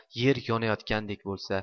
yer yonayotgandek bo'lsa